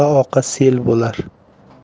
oqa oqa sel bo'lar